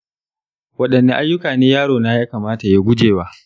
wadanne ayyuka ne yaro na ya kamata ya guje wa?